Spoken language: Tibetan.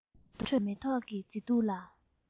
ཁྲོད དུ མེ ཏོག གི མཛེས སྡུག ལ